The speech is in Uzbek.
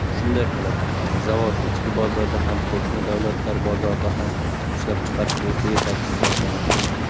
shunday qilib zavod ichki bozorda ham qo'shni davlatlar bozorida ham ishlab chiqarish bo'yicha yetakchi hisoblanadi